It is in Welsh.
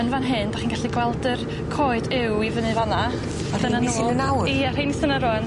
Yn fan hyn 'dach chi'n gallu gweld yr coed yw i fyny fan 'na. Dyna n'w. A rheini sy 'ny nawr? Ie rhein sy 'na rŵan.